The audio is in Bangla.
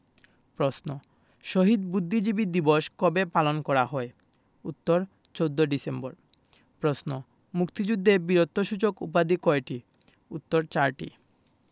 প্রশ্ন শহীদ বুদ্ধিজীবী দিবস কবে পালন করা হয় উত্তর ১৪ ডিসেম্বর প্রশ্ন মুক্তিযুদ্ধে বীরত্বসূচক উপাধি কয়টি উত্তর চারটি